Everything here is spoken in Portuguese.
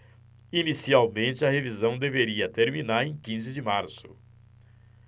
inicialmente a revisão deveria terminar em quinze de março